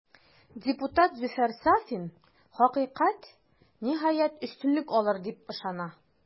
Депутат Зөфәр Сафин, хакыйкать, ниһаять, өстенлек алыр, дип ышана.